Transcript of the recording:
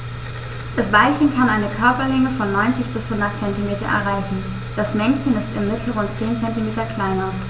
Das Weibchen kann eine Körperlänge von 90-100 cm erreichen; das Männchen ist im Mittel rund 10 cm kleiner.